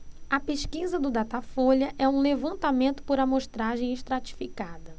a pesquisa do datafolha é um levantamento por amostragem estratificada